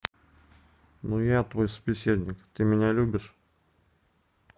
ну я твой собеседник ты меня любишь